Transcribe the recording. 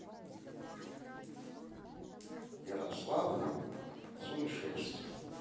ярослав сумишевский